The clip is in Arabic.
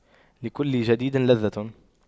لكل جديد لذة